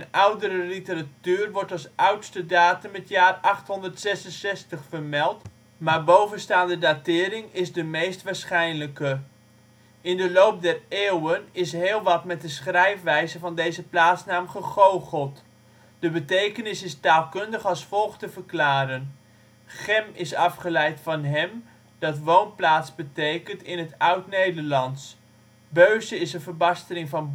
oudere literatuur wordt als oudste datum het jaar 866 vermeld, maar bovenstaande datering is de meest waarschijnlijke. In de loop der eeuwen is heel wat met de schrijfwijze van deze plaatsnaam gegoocheld. De betekenis is taalkundig als volgt te verklaren. ' Chem ' is afgeleid van ' hem ', dat woonplaats betekent in het oudnederlands. ' Beuse ' is een verbastering van